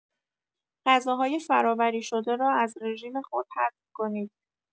غذاهای فرآوری‌شده را از رژیم خود حذف کنید.